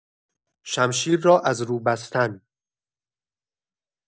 شمشیر را از رو بستن